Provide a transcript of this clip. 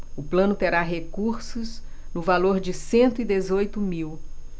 o plano terá recursos no valor de cento e dezoito mil